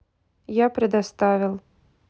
я предоставил